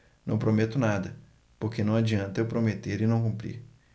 não prometo nada porque não adianta eu prometer e não cumprir